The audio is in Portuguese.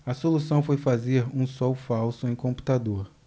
a solução foi fazer um sol falso em computador